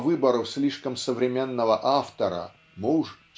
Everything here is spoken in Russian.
по выбору слишком современного автора муж